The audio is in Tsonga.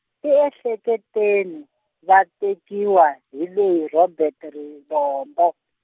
tiehleketeni, va tekiwa, hi loyi Robert Rivombo.